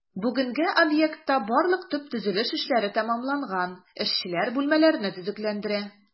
Бүгенгә объектта барлык төп төзелеш эшләре тәмамланган, эшчеләр бүлмәләрне төзекләндерә.